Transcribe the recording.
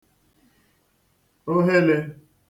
ohelē